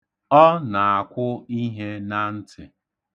Ọ na-akwụ ihe na ntị.